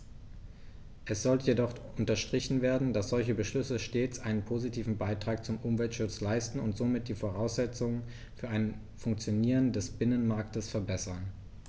Es sollte jedoch unterstrichen werden, dass solche Beschlüsse stets einen positiven Beitrag zum Umweltschutz leisten und somit die Voraussetzungen für ein Funktionieren des Binnenmarktes verbessern.